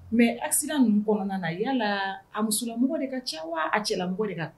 Mɛ asa ninnu kɔnɔna a yalala a musolamɔgɔ de ka ca a cɛlamɔgɔ de kan